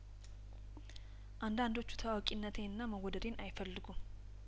አንዳንዶቹ ታዋቂነቴንና መወደዴን አይፈልጉም